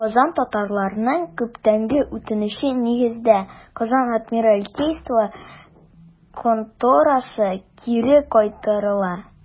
Казан татарларының күптәнге үтенече нигезендә, Казан адмиралтейство конторасы кире кайтарыла.